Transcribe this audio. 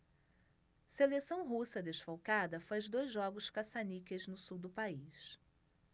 seleção russa desfalcada faz dois jogos caça-níqueis no sul do país